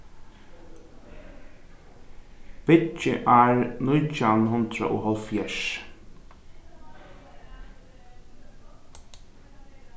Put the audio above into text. byggiár nítjan hundrað og hálvfjerðs